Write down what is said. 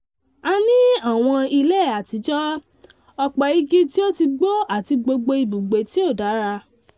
"A ní àwọn ile àtijọ́, ọ̀pọ̀ igi tí ó ti gbó àti gbogbo ibùgbé tí ó dára.